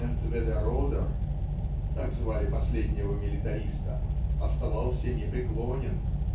Энтведеродер (так звали последнего милитариста) оставался непреклонен